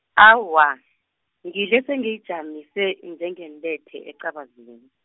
awa, ngidle sengiyijamise njengentethe ecabazini.